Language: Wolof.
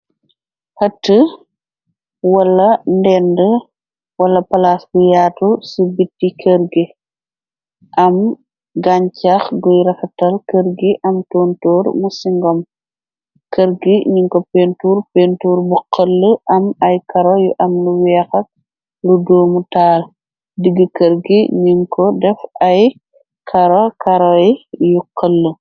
Hët wala ndend wala palaas bu yaatu ci biti kër gi am gañcax guy raxatal kër gi am tontoor mu singom kër gi ñunko pentur pentuur bu xël am ay karo yu am lu weexat lu doomu taal digg kër gi nuñ ko def ay karokaroy yu cëll.